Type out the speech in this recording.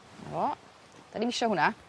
'Na fo. 'Dan ni'm isio wnna.